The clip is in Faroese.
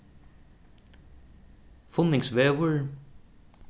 funningsvegur